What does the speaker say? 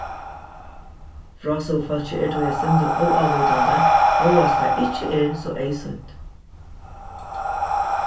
frásøgufólkið er tí eitt sindur óálítandi hóast tað ikki er so eyðsýnt